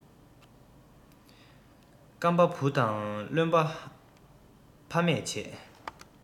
སྐམ པ བུ དང རློན པ ཕ མས བྱེད